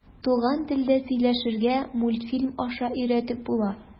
Туган телдә сөйләшергә мультфильм аша өйрәтеп була.